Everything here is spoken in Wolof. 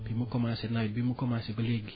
bi mu commencé nawet bi mu commencé ba léegi